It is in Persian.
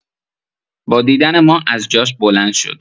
با دیدن ما از جاش بلند شد.